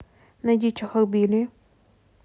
найди чахохбили